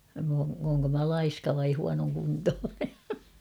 minä olen olenko minä laiska vai huonokuntoinen